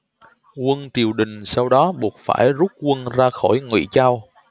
quân triều đình sau đó buộc phải rút quân ra khỏi ngụy châu